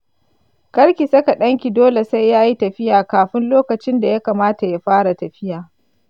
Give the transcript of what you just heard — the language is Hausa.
karki saka danki dole sai yayi tafiya kafun lokacinda ya kamata ya fara tafiya.